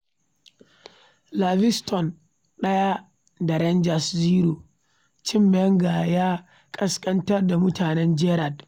Livingston 1 da Rangers 0: Cin Menga ya ƙasƙantar da mutanen Gerrard